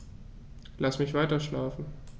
Lass mich weiterschlafen.